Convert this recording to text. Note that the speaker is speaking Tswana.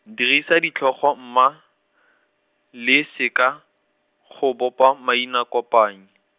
dirisa ditlhogo mma, le seka, go bopa mainakopani.